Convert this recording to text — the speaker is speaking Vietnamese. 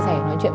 sẻ